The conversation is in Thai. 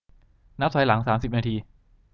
นับถอยหลังสามสิบนาที